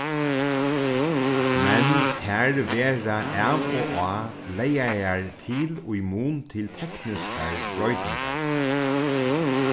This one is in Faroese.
men tær verða av og á lagaðar til í mun til tekniskar broytingar